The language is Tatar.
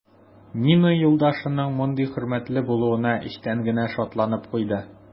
Нина юлдашының мондый хөрмәтле булуына эчтән генә шатланып куйды.